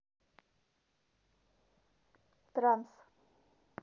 транс